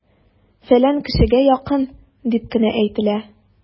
"фәлән кешегә якын" дип кенә әйтелә!